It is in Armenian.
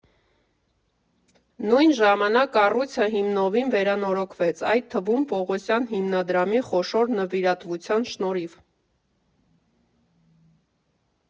Նույն ժամանակ կառույցը հիմնովին վերանորոգվեց՝ այդ թվում Պողոսյան հիմնադրամի խոշոր նվիրատվության շնորհիվ։